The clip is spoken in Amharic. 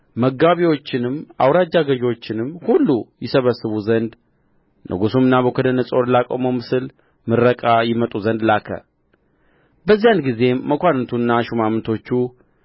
መጋቢዎችንም አውራጃ ገዦችንም ሁሉ ይሰበስቡ ዘንድ ንጉሡም ናቡከደነፆር ላቆመው ምስል ምረቃ ይመጡ ዘንድ ላከ በዚያን ጊዜም መኳንንቱና ሹማምቶቹ